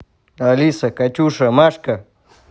алиса катюша машка